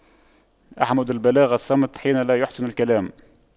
أحمد البلاغة الصمت حين لا يَحْسُنُ الكلام